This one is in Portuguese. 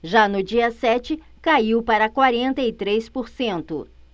já no dia sete caiu para quarenta e três por cento